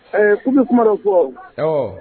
Ɛɛ'u bɛ kuma dɔ fɔ ɔɔ